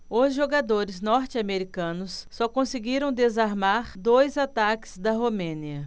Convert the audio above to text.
os jogadores norte-americanos só conseguiram desarmar dois ataques da romênia